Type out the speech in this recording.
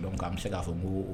Dɔnku bɛ se k'a fɔ mun